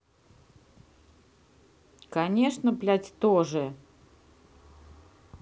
конечно блять тоже